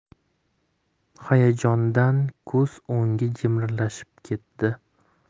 hayajondan ko'z o'ngi jimirlashib ketdi